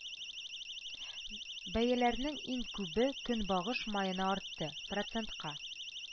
Бәяләрнең иң күбе көнбагыш маена артты – процентка